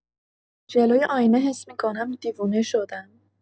جلوی آینه حس می‌کنم دیوونه شدم.